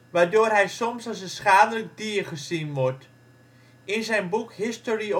waardoor hij soms als een schadelijk dier gezien wordt. In zijn boek History